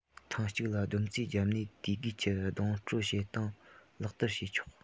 ཐེངས གཅིག ལ བསྡོམས རྩིས བརྒྱབ ནས དུས བགོས ཀྱིས གཏོང སྤྲོད བྱེད སྟངས ལག བསྟར བྱས ཆོག